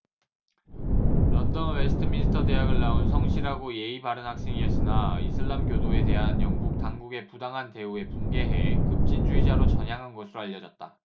런던 웨스트민스터 대학을 나온 성실하고 예의 바른 학생이었으나 이슬람교도에 대한 영국 당국의 부당한 대우에 분개해 급진주의자로 전향한 것으로 알려졌다